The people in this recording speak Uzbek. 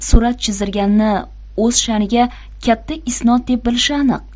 surat chizdirganini o'z sha'niga katta isnod deb bilishi aniq